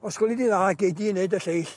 Osgweli di'n dda gei di neud y lleill.